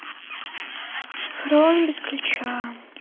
фараон без ключа